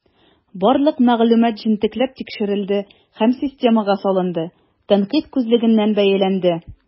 Барлык мәгълүмат җентекләп тикшерелде һәм системага салынды, тәнкыйть күзлегеннән бәяләнде.